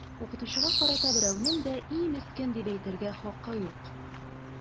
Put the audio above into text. Укытучыга карата берәүнең дә “и, мескен” дип әйтергә хакы юк!